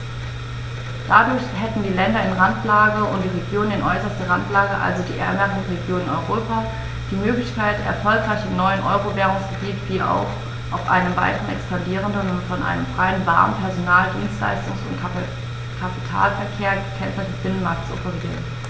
Dadurch hätten die Länder in Randlage und die Regionen in äußerster Randlage, also die ärmeren Regionen in Europa, die Möglichkeit, erfolgreich im neuen Euro-Währungsgebiet wie auch auf einem weiter expandierenden und von einem freien Waren-, Personen-, Dienstleistungs- und Kapitalverkehr gekennzeichneten Binnenmarkt zu operieren.